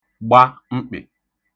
gba mkpị̀